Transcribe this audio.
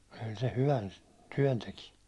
kyllä se hyvän työn teki